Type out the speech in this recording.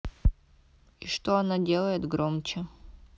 и что она делает громче